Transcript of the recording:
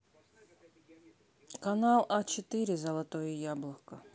канал а четыре золотое яблоко